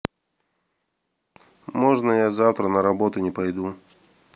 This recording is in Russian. можно я завтра на работу не пойду